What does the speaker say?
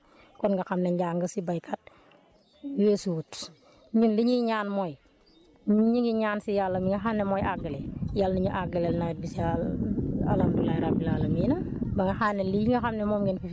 te loolu lépp ñun xamuñ si woon dara kon nga xam ne njàng si béykat weesuwut ñun li ñuy ñaan mooy ñu ngi ñaan si yàlla mi nga xam ne mooy àggale yal nañu àggaleel nawet bi si alhamduliha rabil alamin